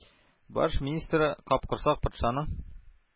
Баш министры капкорсак патшаның: